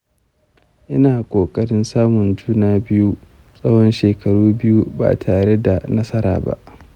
ina ƙoƙarin samun juna biyu tsawon shekaru biyu ba tare da nasara ba.